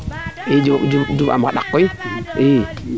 i duuf aam xa ɗaq koy i